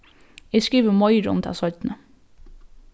eg skrivi meira um tað seinni